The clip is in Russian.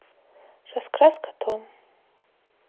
раскраска том